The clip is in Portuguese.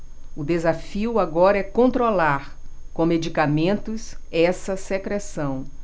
o desafio agora é controlar com medicamentos essa secreção